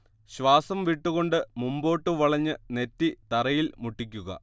ശ്വാസം വിട്ടുകൊണ്ട് മുമ്പോട്ട് വളഞ്ഞ് നെറ്റി തറയിൽ മുട്ടിക്കുക